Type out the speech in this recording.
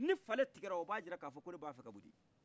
ni fale tigɛla o b' a jira ko ne bɛ fɛ ka boli